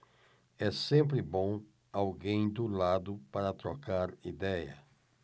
é sempre bom alguém do lado para trocar idéia